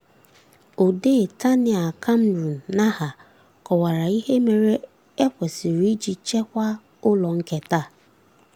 Odee Tania Kamrun Nahar kọwara ihe mere e kwesịrị iji chekwaa ụlọ nketa a: